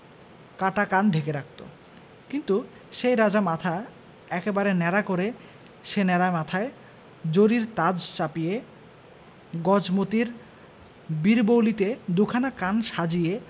কাটা কান ঢেকে রাখত কিন্তু সেই রাজা মাথা একেবারে ন্যাড়া করে সেই ন্যাড়া মাথায় জরির তাজ চাপিয়ে গজমোতির বীরবৌলিতে দুখানা কান সাজিয়ে